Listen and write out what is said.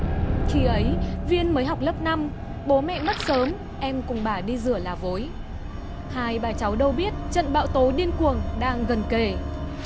khi ấy viên mới học lớp năm bố mẹ mất sớm em cùng bà đi rửa lá vối hai bà cháu đâu biết trận bão tố điên cuồng đang gần kề